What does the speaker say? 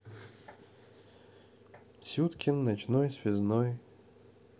сюткин ночной связной